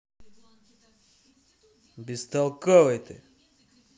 бестолковый ты